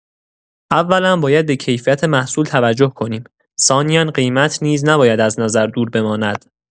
اولا باید به کیفیت محصول توجه کنیم، ثانیا قیمت نیز نباید از نظر دور بماند.